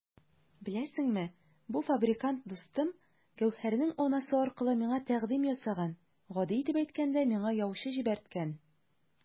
Беләсеңме, бу фабрикант дустым Гәүһәрнең анасы аркылы миңа тәкъдим ясаган, гади итеп әйткәндә, миңа яучы җибәрткән!